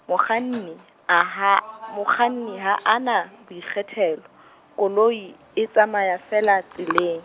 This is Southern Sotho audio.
mokganni a ha, mokganni ha a na boikgethelo, koloi, e tsamaya feela tseleng.